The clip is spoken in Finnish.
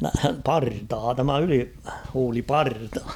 - partaa tämä ylihuuliparta